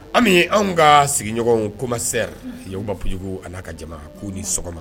Anw anw ka sigiɲɔgɔnw komaba kojugujugu n'a ka jamana ko ni sɔgɔma